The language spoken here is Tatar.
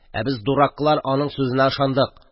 Ә без, дураклар, аның сүзенә ышандык.